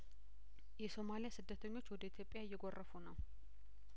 የሶማሊያ ስደተኞች ወደ ኢትዮጵያ እየጐረፉ ነው